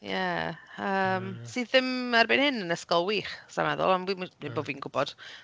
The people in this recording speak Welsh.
Ie yym... yy. ...sy ddim erbyn hyn yn ysgol wych sa i'n meddwl, ond wi'm yn... na. ....nid bod fi'n gwybod.